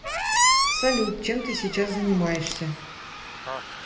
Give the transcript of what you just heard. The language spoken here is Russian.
салют чем ты сейчас занимаешься